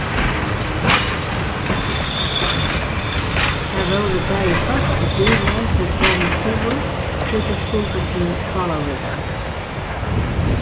tað vóru bæði fólk og bilar sum komu suður tí tey skuldu til skálavíkar